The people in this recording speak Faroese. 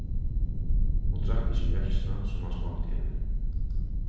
hon drakk ikki mjólkina sum hann skonkti henni